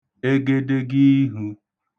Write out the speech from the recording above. egedegiihū